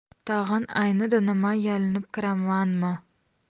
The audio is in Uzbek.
tag'in aynidi nima yalinib kiramanmi